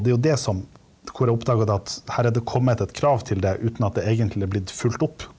det er jo det som hvor jeg oppdaga det at her er det kommet et krav til det uten at det egentlig er blitt fulgt opp.